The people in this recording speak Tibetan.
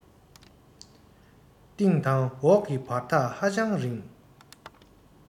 སྟེང དང འོག གི བར ཐག ཧ ཅང རིང